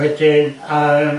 Wedyn yym.